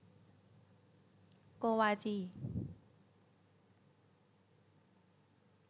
โกวาจี